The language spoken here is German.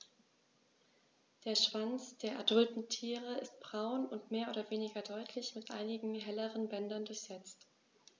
Der Schwanz der adulten Tiere ist braun und mehr oder weniger deutlich mit einigen helleren Bändern durchsetzt.